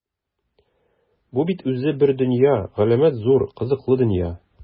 Бу бит үзе бер дөнья - галәмәт зур, кызыклы дөнья!